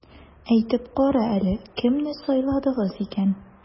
Әйтеп кара әле, кемне сайладыгыз икән?